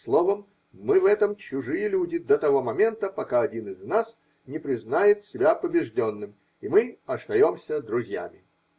словом, мы в этом чужие люди до того момента, пока один из нас не признает себя побежденным! И мы остаемся друзьями.